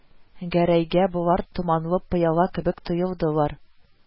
Гәрәйгә болар томанлы пыяла кебек тоелдылар